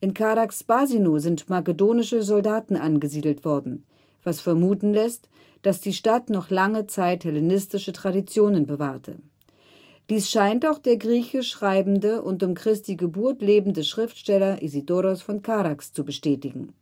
Charax-Spasinu sind makedonische Soldaten angesiedelt worden, was vermuten lässt, dass die Stadt noch lange Zeit hellenistische Traditionen bewahrte. Dies scheint auch der griechisch schreibende und um Christi Geburt lebende Schriftsteller Isidoros von Charax zu bestätigen